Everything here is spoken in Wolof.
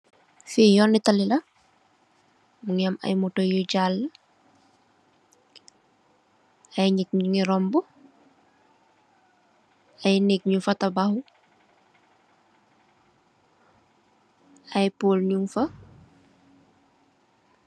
Fii yooni tali la, mingi am ay moto yi jalle, ay nit nyu ngi rombu, ay neeg nyun fa tabaxu, ay pol nyun fa.